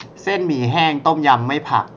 เส้นหมี่แห้งต้มยำไม่ผัก